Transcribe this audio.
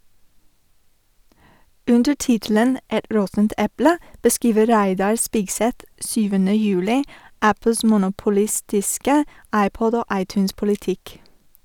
Under tittelen «Et råttent eple» beskriver Reidar Spigseth 7. juli Apples monopolistiske iPod- og iTunes-politikk.